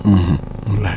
wallaahi